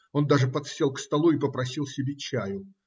Он даже подсел к столу и попросил себе чаю.